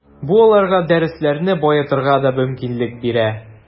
Бу аларга дәресләрне баетырга да мөмкинлек бирә.